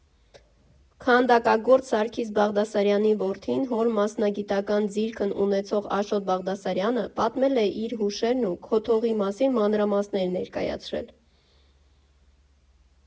Քանդակագործ Սարգիս Բաղդասարյանի որդին՝ հոր մասնագիտական ձիրքն ունեցող Աշոտ Բաղդասարյանը, պատմել է իր հուշերն ու կոթողի մասին մանրամասներ ներկայացրել։